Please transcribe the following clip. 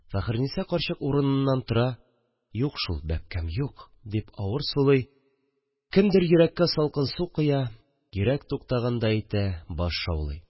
Фәхерниса карчык урыныннан тора, «юк шул, бәбкәм, юк» дип авыр сулый, кемдер йөрәккә салкын су коя, йөрәк туктагандай итә, баш шаулый